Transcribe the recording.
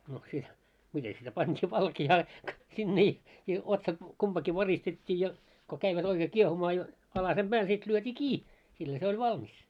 no sitten miten sitä pantiin valkeaa sinne -- otsat kumpikin varistettiin ja kun kävivät oikein kiehumaan jo alasen päällä sitten lyötiin kiinni sillä se oli valmis